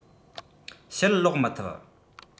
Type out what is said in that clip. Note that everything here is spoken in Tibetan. ཕྱིར ལོག མི ཐུབ